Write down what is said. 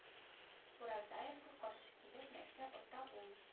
Уразаевка каршы килеп нәрсә ота ул